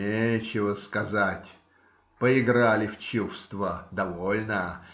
Нечего сказать, поиграли в чувство довольно.